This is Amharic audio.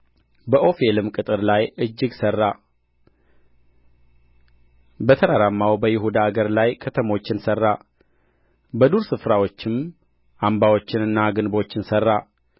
በዖፌልም ቅጥር ላይ እጅግ ሠራ በተራራማውም በይሁዳ አገር ላይ ከተሞችን ሠራ በዱር ስፍራዎችም አምባዎችንና ግንቦችን ሠራ